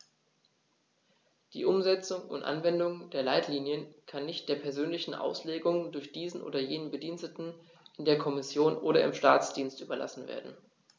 Die Umsetzung und Anwendung der Leitlinien kann nicht der persönlichen Auslegung durch diesen oder jenen Bediensteten in der Kommission oder im Staatsdienst überlassen werden.